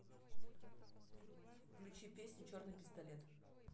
включи песню черный пистолет